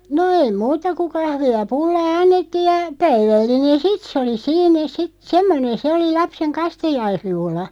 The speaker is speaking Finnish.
no ei muuta kuin kahvia ja pullaa annettiin ja päivällinen sitten se oli siinä sitten semmoinen se oli lapsen kastajaisjuhla